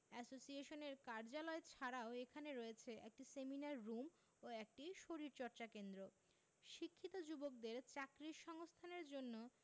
এসোসিয়েশনের কার্যালয় ছাড়াও এখানে রয়েছে একটি সেমিনার রুম ও একটি শরীরচর্চা কেন্দ্র শিক্ষিত যুবকদের চাকরির সংস্থানের জন্য